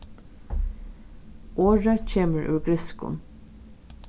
orðið kemur úr grikskum